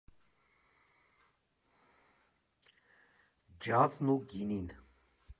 Ջազն ու գինին։